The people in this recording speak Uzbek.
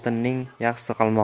xotinning yaxshisi qalmoq